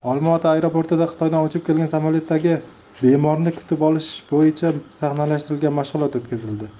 olmaota aeroportida xitoydan uchib kelgan samolyotdagi bemorni kutib olish bo'yicha sahnalashtirilgan mashg'ulot o'tkazildi